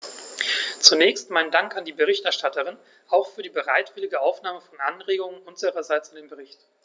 Zunächst meinen Dank an die Berichterstatterin, auch für die bereitwillige Aufnahme von Anregungen unsererseits in den Bericht.